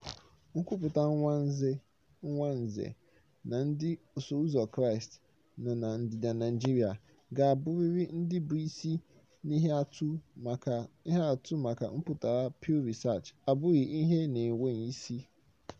Nkwupụta Nwanze na ndị osoụzo Kraịstị nọ na ndịda Naịjirịa ga-abụrịrị ndị bụ isi n'ihe atụ maka mpụtara Pew Research abụghị ihe na-enweghị isi.